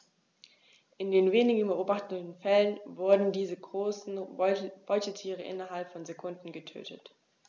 In den wenigen beobachteten Fällen wurden diese großen Beutetiere innerhalb von Sekunden getötet.